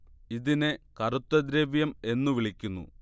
ഇതിനെ കറുത്ത ദ്രവ്യം എന്നു വിളിക്കുന്നു